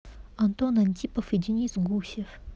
антон антипов и денис гусев